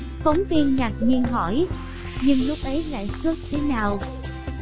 phóng viên nhưng lúc ấy lãi suất thế nào